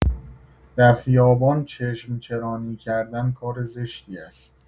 در خیابان چشم‌چرانی کردن کار زشتی است.